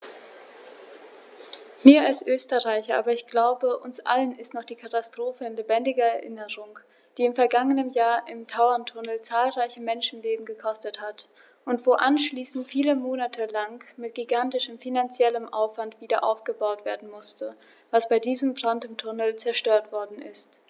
Mir als Österreicher, aber ich glaube, uns allen ist noch die Katastrophe in lebendiger Erinnerung, die im vergangenen Jahr im Tauerntunnel zahlreiche Menschenleben gekostet hat und wo anschließend viele Monate lang mit gigantischem finanziellem Aufwand wiederaufgebaut werden musste, was bei diesem Brand im Tunnel zerstört worden ist.